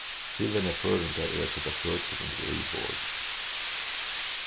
siðvenja føroyinga er at seta føtur undir egið borð